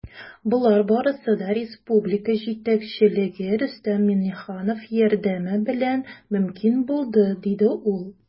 Болар барысы да республика җитәкчелеге, Рөстәм Миңнеханов, ярдәме белән мөмкин булды, - диде ул.